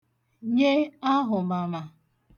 nye ahụ̀màmà